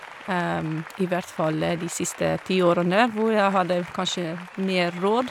I hvert fall de siste ti årene, hvor jeg hadde kanskje mer råd.